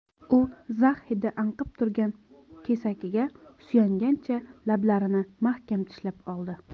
u zax hidi anqib turgan kesakiga suyangancha lablarini mahkam tishlab oldi